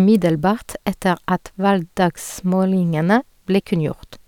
umiddelbart etter at valgdagsmålingene ble kunngjort.